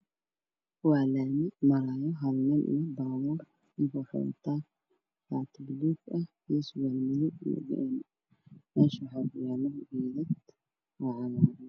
Waa laami waxaa goynayo gaari noocisa yahay madow oo saaran yahay caagag